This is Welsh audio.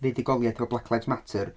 Fuddugoliaeth efo Black Lives Matter.